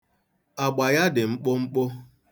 Agba ya dị mkpụmkpụ.